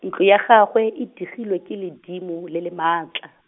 ntlo ya gagwe e digilwe ke ledimo le le maatla.